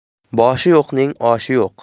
boshi yo'qning oshi yo'q